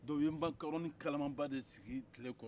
dɔnku u ye makarɔni kalanmanba de sigi tile kɔrɔ